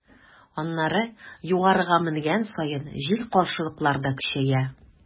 Аннары, югарыга менгән саен, җил-каршылыклар да көчәя.